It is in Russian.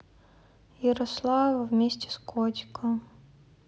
ярослава вместе с котиком